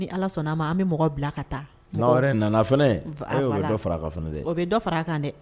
Ni Ala sɔnna an bɛ mɔgɔ bila ka taa, ni dɔwɛrɛ nana fana, e! o bi dɔ fara kan dɛ, o bi dɔ fara kan dɛ